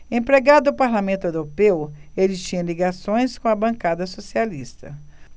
empregado do parlamento europeu ele tinha ligações com a bancada socialista